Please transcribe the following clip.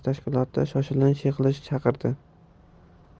tashkiloti shoshilinch yig'ilish chaqirdi